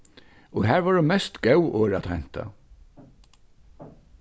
og har vóru mest góð orð at heinta